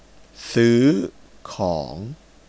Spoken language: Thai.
ซื้อของ